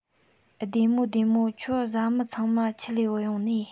བདེ མོ བདེ མོ ཁྱོད བཟའ མི ཚང མ ཁྱིད ལས བུད ཡོང ནིས